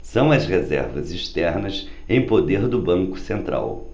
são as reservas externas em poder do banco central